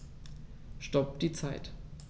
Stopp die Zeit